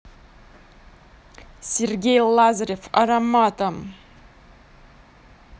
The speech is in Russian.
сергей лазарев ароматом